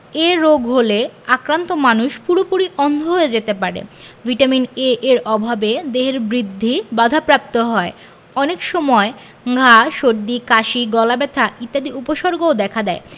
এ রোগ হলে আক্রান্ত মানুষ পুরোপুরি অন্ধ হয়ে যেতে পারে ভিটামিন A এর অভাবে দেহের বৃদ্ধি বাধাপ্রাপ্ত হয় অনেক সময় ঘা সর্দি কাশি গলাব্যথা ইত্যাদি উপসর্গও দেখা দেয়